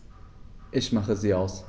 Ich mache sie aus.